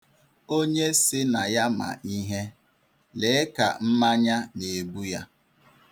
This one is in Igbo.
Onye sị na ya ma ihe, lee ka mmanya na-ebu ya.